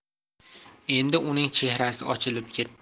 endi uning chehrasi ochilib ketdi